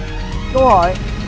câu hỏi